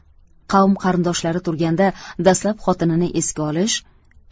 qavm qarindoshlari turganda dastlab xotinini esga olish